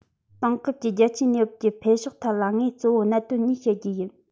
དེང སྐབས ཀྱི རྒྱལ སྤྱིའི གནས བབ ཀྱི འཕེལ ཕྱོགས ཐད ལ ངས གཙོ བོ གནད དོན གཉིས བཤད རྒྱུ ཡིན